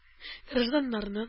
Гражданнарның